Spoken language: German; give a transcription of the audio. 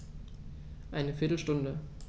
Eine viertel Stunde